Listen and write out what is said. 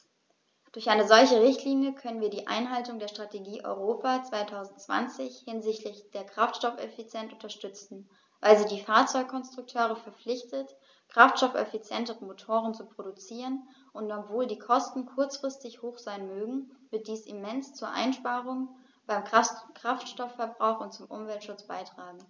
Durch eine solche Richtlinie können wir die Einhaltung der Strategie Europa 2020 hinsichtlich der Kraftstoffeffizienz unterstützen, weil sie die Fahrzeugkonstrukteure verpflichtet, kraftstoffeffizientere Motoren zu produzieren, und obwohl die Kosten kurzfristig hoch sein mögen, wird dies immens zu Einsparungen beim Kraftstoffverbrauch und zum Umweltschutz beitragen.